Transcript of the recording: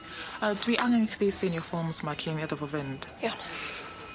Yy dwi angen i chdi seinio fforms 'ma cyn i mi adal fo fynd. Iawn.